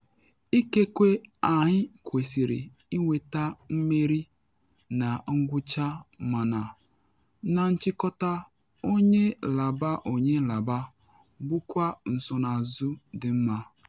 Ikekwe anyị kwesịrị ịnweta mmeri na ngwụcha mana, na nchịkọta, onye laba onye laba bụkwa nsonaazụ dị mma.